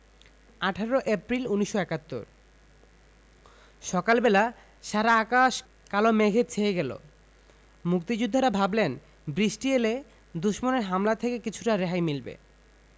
১৮ April ১৯৭১ সকাল বেলা সারা আকাশ কালো মেঘে ছেয়ে গেল মুক্তিযোদ্ধারা ভাবলেন বৃষ্টি এলে দুশমনের হামলা থেকে কিছুটা রেহাই মিলবে